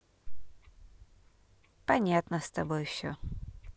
понятно с тобой все